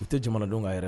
U tɛ jamanadenw a yɛrɛ